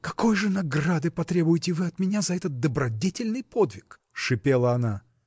— Какой же награды потребуете вы от меня за этот добродетельный подвиг? — шипела она.